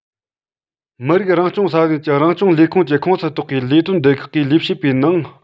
མི རིགས རང སྐྱོང ས གནས ཀྱི རང སྐྱོང ལས ཁུངས ཀྱི ཁོངས སུ གཏོགས པའི ལས དོན སྡེ ཁག གི ལས བྱེད པའི ནང